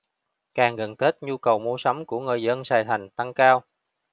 càng gần tết nhu cầu mua sắm của người dân sài thành tăng cao